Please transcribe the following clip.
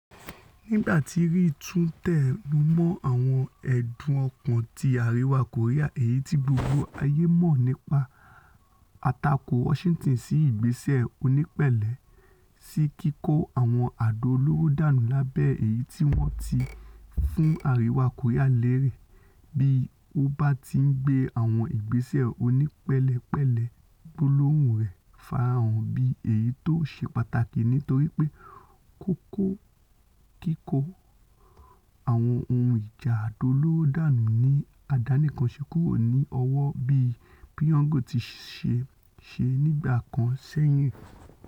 nígbà tí Ri tún tẹnumọ́ àwọn ẹ̀dùn ọkàn ti Àríwa Kòríà èyití gbogbo ayé mọ̀ nípa àtakò Washington sí ìgbéṣẹ̀ ''onípele'' sí kíkó àwọn àdò olóró dànù lábẹ́ èyití wọn ti fún Àríwá Kòríà lérè bí ó báti ńgbé àwọn ìgbésẹ̀ onípẹ̀lẹ̀pẹlẹ̀, gbólóhùn rẹ̀ farahàn bí eyito ṣe pàtàkì nítorípe kò kọ kíkó àwọn ohun ìjà àdó olóro dànù ní àdánìkànṣe kuro ní ọwọ́ bí Pyongyang tiṣe se nígbà kan sẹyìn.